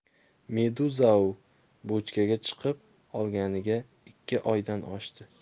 meduzau bochkaga chiqib olganiga ikki oydan oshdi